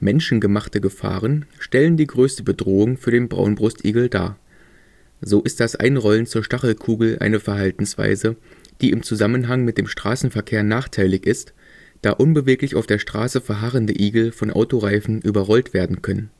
Menschengemachte Gefahren stellen die größte Bedrohung für den Braunbrustigel dar. So ist das Einrollen zur Stachelkugel eine Verhaltensweise, die im Zusammenhang mit dem Straßenverkehr nachteilig ist, da unbeweglich auf der Straße verharrende Igel von Autoreifen überrollt werden können